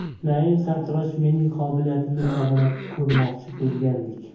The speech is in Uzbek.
naim sartarosh mening qobiliyatimni chamalab ko'rmoqchi bo'lgandek